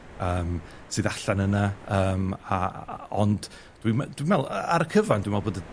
yym sydd allan yna yym a- a- ond dwi me- dwi'n meddwl yy ar y cyfan dwi'n meddwl bod y